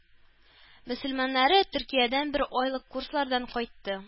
Мөселманнары төркиядән бер айлык курслардан кайтты